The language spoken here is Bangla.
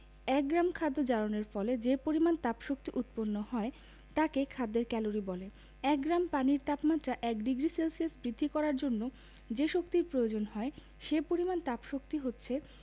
এক গ্রাম খাদ্য জারণের ফলে যে পরিমাণ তাপশক্তি উৎপন্ন হয় তাকে খাদ্যের ক্যালরি বলে এক গ্রাম পানির তাপমাত্রা ১ ডিগ্রি সেলসিয়াস বৃদ্ধি করার জন্য যে শক্তির প্রয়োজন হয় সে পরিমাণ তাপশক্তি হচ্ছে